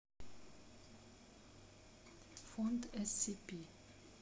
фонд scp